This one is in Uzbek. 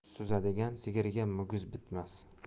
suzadigan sigirga muguz bitmas